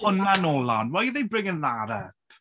honna nôl lan? Why are they bringing that up?